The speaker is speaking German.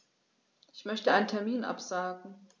Ich möchte einen Termin absagen.